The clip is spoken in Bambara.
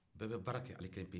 bɛɛ bɛ baara kɛ ale kelen pewu ye